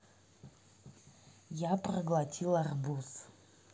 я проглотил арбуз